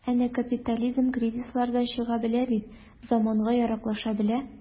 Әнә капитализм кризислардан чыга белә бит, заманга яраклаша белә.